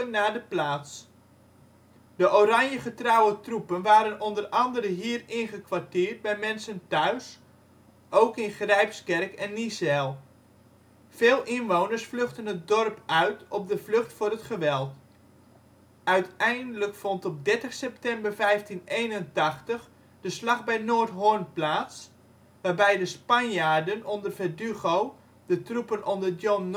naar de plaats. De Oranjegetrouwe troepen waren onder andere hier ingekwartierd bij mensen thuis (ook in Grijpskerk en Niezijl). Veel inwoners vluchtten het dorp uit op de vlucht voor het geweld. Uiteindelijk vond op 30 september 1581 de Slag bij Noordhorn plaats, waarbij de Spanjaarden onder Verdugo de troepen onder John Norris